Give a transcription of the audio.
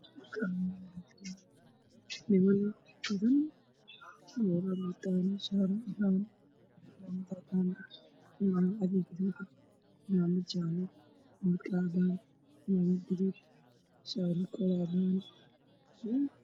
Niman badan oo cimaamado iyo koofiyo wato